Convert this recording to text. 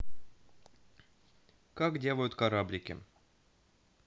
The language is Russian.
как делают кораблики